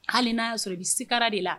Hali n'a y' sɔrɔ i bɛ seigara de la